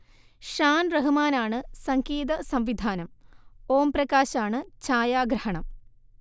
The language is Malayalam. ഷാൻ റഹ്മാനാണ് സംഗീതസംവിധാനം, ഓം പ്രകാശാണ് ഛായാഗ്രാഹണം